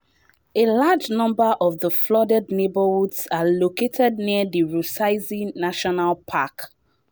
A large number of the flooded neighbourhoods are located near the Rusizi National Park.